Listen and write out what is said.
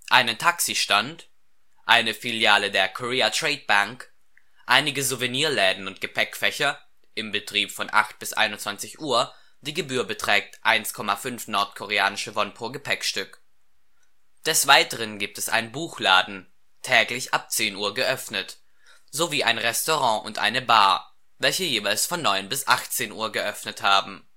Taxistand, eine Filiale der Korea Trade Bank, einige Souvenirläden und Gepäckfächer (in Betrieb von 8 bis 21 Uhr; die Gebühr beträgt 1,5 nordkoreanische Won pro Gepäckstück). Des Weiteren gibt es einen Buchladen (täglich ab 10 Uhr geöffnet) sowie ein Restaurant und eine Bar, welche jeweils von 9 bis 18 Uhr geöffnet haben